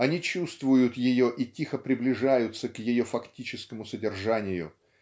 они чувствуют ее и тихо приближаются к ее фактическому содержанию